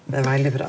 det er veldig bra.